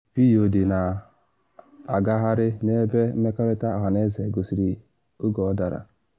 Vidio ndị na agagharị n’ebe mmerịkọta ọhaneze gosiri oge ọ dara.